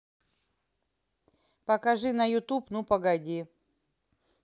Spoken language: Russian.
покажи на ютуб ну погоди